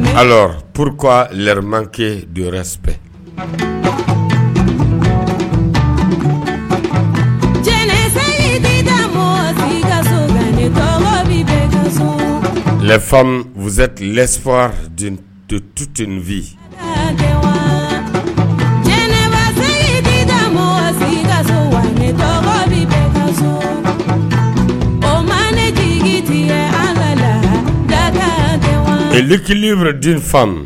mɛ ka jɛnɛ pur laribakɛ jɔyɔrɔ sɛ jɛnɛse ka bɛ sɔrɔ famu u ze lɛsfatu tutfin wa jɛnɛ bɛ segin sigi ka so bɛ bɛ ka sɔrɔ o ma ne jigi la deliki bɛ difamu